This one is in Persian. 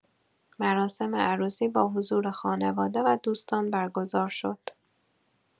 مراسم عروسی با حضور خانواده و دوستان برگزار شد.